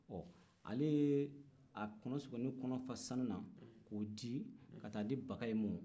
ale ye kɔnɔsogoni kɔnɔ fa sanu na k'o di ka taa di bakayi ma